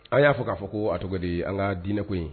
An y'a fɔ k'a fɔ ko a tɔgɔ ye di an ka dinɛko in